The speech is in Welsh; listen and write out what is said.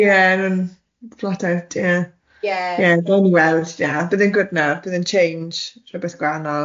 Ie yn flat out ie... Ie. ...gawn ni weld ie bydd e'n good now bydd e'n change rhybeth gwahanol.